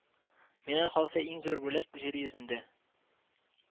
Миңа калса иң зур бүләк җир йөзендә